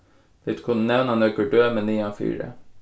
vit kunnu nevna nøkur dømi niðanfyri